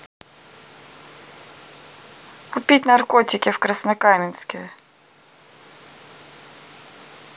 купить наркотики в краснокаменске